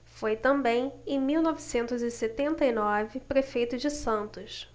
foi também em mil novecentos e setenta e nove prefeito de santos